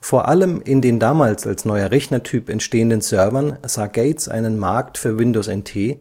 Vor allem in den damals als neuer Rechnertyp entstehenden Servern sah Gates einen Markt für Windows NT,